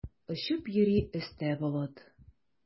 Очып йөри өстә болыт.